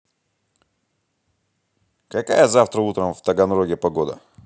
какая завтра утром в таганроге погода